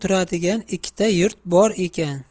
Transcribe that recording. turadigan ikkita yurt bor ekan